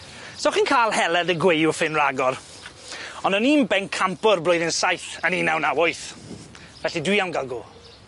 So chi'n ca'l hele 'dy gwaywffyn ragor on' o'n i'n bencampwr blwyddyn saith yn un naw naw wyth, felly dwi am ga'l go.